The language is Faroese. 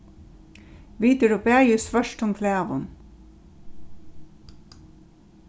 vit eru bæði í svørtum klæðum